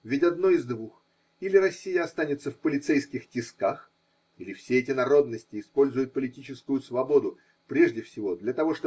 Ведь одно из двух: или Россия останется в полицейских тисках, или все эти народности используют политическую свободу прежде всего для того.